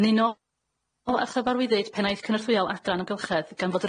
Yn unol â chyfarwyddyd pennaeth cynorthwyol adran amgylchedd gan fod